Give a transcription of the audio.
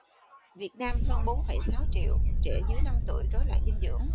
việt nam hơn bốn phẩy sáu triệu trẻ dưới năm tuổi rối loạn dinh dưỡng